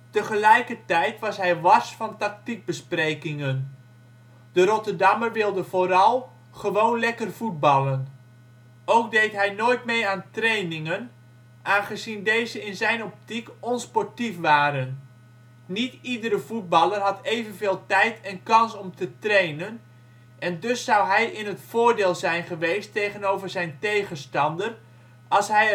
Tegelijkertijd was hij wars van tactiekbesprekingen; de Rotterdammer wilde vooral " gewoon lekker voetballen " Ook deed hij nooit mee aan trainingen, aangezien deze in zijn optiek onsportief waren: niet iedere voetballer had evenveel tijd en kans om te trainen, en dus zou hij in het voordeel zijn geweest tegenover zijn tegenstander als hij